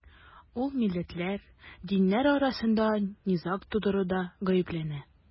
Ул милләтләр, диннәр арасында низаг тудыруда гаепләнә.